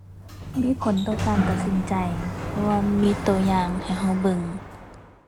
มีผลต่อการตัดสินใจ เพราะว่ามีตัวอย่างให้ตัวเบิ่ง